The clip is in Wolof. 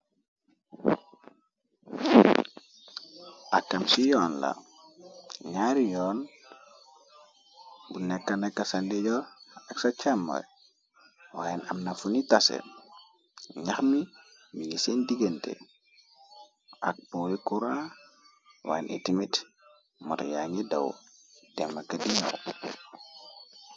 ak am chi yoon la ñaari yoon bu nekka na kasandiyoor ak sa càmma waayeen am nafuni tase ñax mi mingi seen diggante ak poy cura wm moria ngi daw demaka dino